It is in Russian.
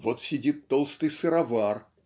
Вот сидит толстый сыровар